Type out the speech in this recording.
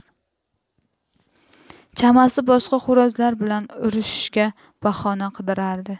chamasi boshqa xo'rozlar bilan urishishga bahona qidirardi